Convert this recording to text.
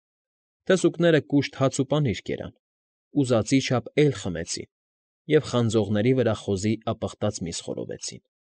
Թզուկները կուշտ հաց ու պանիր կերան, ուզածի չափ էյլ խմեցին և խանձողների վրա խոզի ապխտած միս խորովեցին։